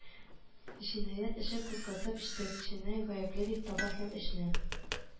Җинаять эше кузгатып, җитәкчене гаепле дип таба һәм эшне